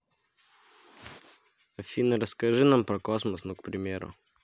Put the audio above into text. афина расскажи нам про космос ну к примеру